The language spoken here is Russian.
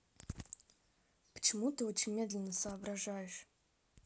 почему ты очень медленно соображаешь